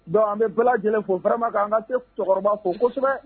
Bon an bɛ bɛɛ lajɛlen fo vraiment ka an ka sek cɛkɔrɔba fo kosɛbɛ.